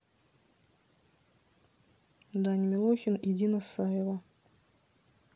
даня милохин и дина саева